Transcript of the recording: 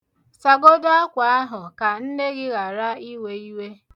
Sa godu akwa ahụ ka nne gị ghara iwe iwe.